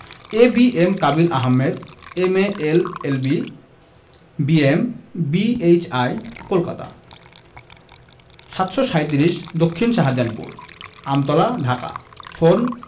A B M Kabil Ahmed M A L L B M B H I Kolkata ৭৩৭ দক্ষিন Shahjahanpur Amtala Dhaka phone